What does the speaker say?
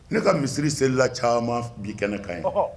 Ne ka misiri selila caaman f bi kɛnɛ kan yan ɔhɔ